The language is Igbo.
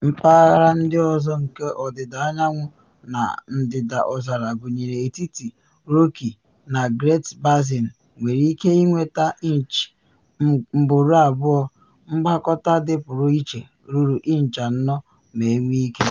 Mpaghara ndị ọzọ nke Ọdịda Anyanwụ na Ndịda Ọzara gụnyere etiti Rockies na Great Basin nwere ike ịnweta inchi 1 ruo 2, mgbakọta dịpụrụ iche ruru inchi 4 ma enwee ike.